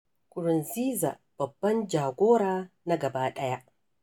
Nkurunziza, 'babban jagora na gabaɗaya'